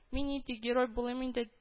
– мин нинди герой булыйм